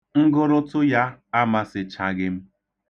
Ngụrụtụ ya amasichaghị m.